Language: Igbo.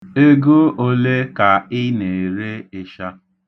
Ego ole ka ị na-ere ịsha?